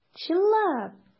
Чынлап!